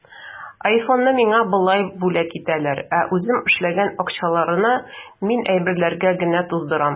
Айфонны миңа болай бүләк итәләр, ә үзем эшләгән акчаларны мин әйберләргә генә туздырам.